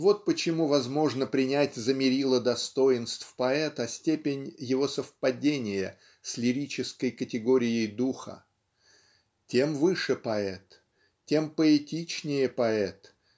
Вот почему возможно принять за мерило достоинств поэта степень его совпадения с лирической категорией духа. Тем выше поэт тем поэтичнее поэт